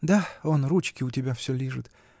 -- Да, он ручки у тебя все лижет.